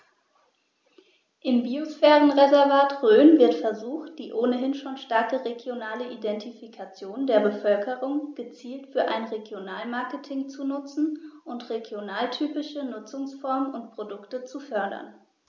Im Biosphärenreservat Rhön wird versucht, die ohnehin schon starke regionale Identifikation der Bevölkerung gezielt für ein Regionalmarketing zu nutzen und regionaltypische Nutzungsformen und Produkte zu fördern.